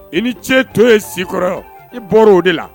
I ni ce to ye si kɔrɔ i bɔra o de la